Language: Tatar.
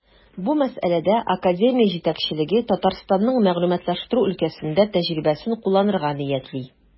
Бу мәсьәләдә академия җитәкчелеге Татарстанның мәгълүматлаштыру өлкәсендә тәҗрибәсен кулланырга ниятли.